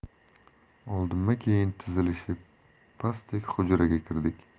oldinma keyin tizilishib pastak hujraga kirdik